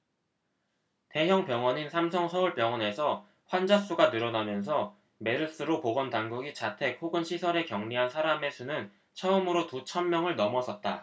대형 병원인 삼성서울병원에서 환자수가 늘어나면서 메르스로 보건당국이 자택 혹은 시설에 격리한 사람의 수는 처음으로 두 천명을 넘어섰다